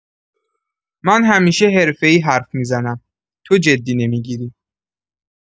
من همیشه حرفه‌ای حرف می‌زنم، تو جدی نمی‌گیری.